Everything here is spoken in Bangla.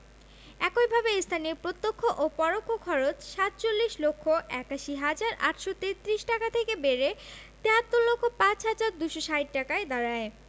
একইভাবে স্থানীয় প্রত্যক্ষ ও পরোক্ষ খরচ ৪৭ লক্ষ ৮১ হাজার ৮৩৩ টাকা থেকে বেড়ে ৭৩ লক্ষ ৫ হাজার ২৬০ টাকায় দাঁড়ায়